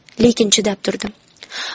lekin chidab turdim